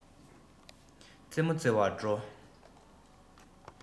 རྩེད མོ རྩེ བར འགྲོ